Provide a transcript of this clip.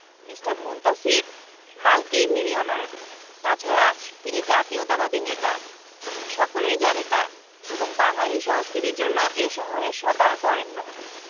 Mr Muntasir multimillionaire তাছাড়া তিনি জাতীয়তাবাদী নেতা সকলেই জানে তা এবং বাঙালী সংস্কৃতির জন্য এ শহরে সবার বরেণ্য